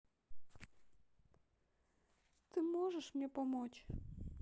ты можешь мне помочь